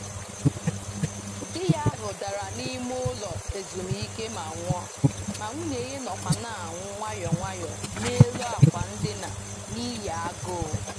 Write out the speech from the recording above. Di ya ahụ dara n'imeụlọ ezumike ma nwụọ, ma nwunye ya nọkwa na-anwụ nwayọọ nwayọọ n'elu àkwà ndina n'ihi agụụ.